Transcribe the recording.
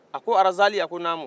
a ko arazali a ko naamu